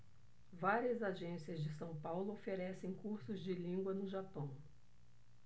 várias agências de são paulo oferecem cursos de língua no japão